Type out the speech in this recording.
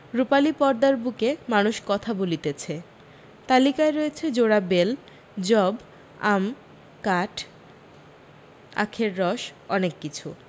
রুপালি পর্দার বুকে মানুষ কথা বলিতেছে তালিকায় রয়েছে জোড়া বেল যব আম কাঠ আখের রস অনেক কিছু